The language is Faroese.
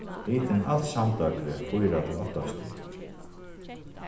hitin alt samdøgrið fýra til átta stig